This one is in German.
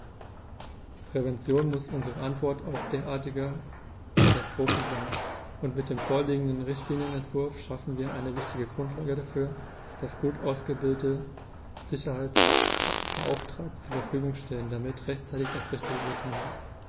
Prävention muss unsere Antwort auf derartige Katastrophen sein, und mit dem vorliegenden Richtlinienentwurf schaffen wir eine wichtige Grundlage dafür, dass gut ausgebildete Sicherheitsbeauftragte zur Verfügung stehen, damit rechtzeitig das Richtige getan wird.